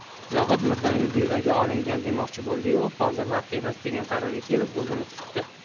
zohid murdaning buyragi olingan demoqchi bo'ldi yu hozir vaqti emas degan qarorga kelib o'zini tutdi